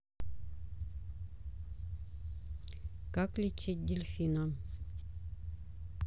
как лечить дельфина